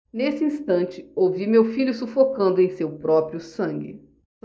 nesse instante ouvi meu filho sufocando em seu próprio sangue